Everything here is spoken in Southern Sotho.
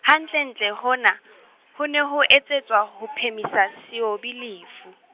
hantlentle hona, ho ne o etsetswa ho phemisa Seobi lefu.